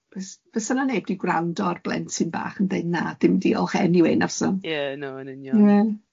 Achos fysa na neb di gwrando ar blentyn bach yn dweud na ddim diolch eniwe na fysa? Ie, no yn union. Ie.